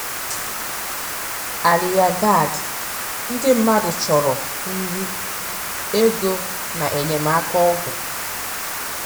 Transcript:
@AlyaaGad Ndị mmadụ chọrọ nri, ego na enyemaka ọgwụ!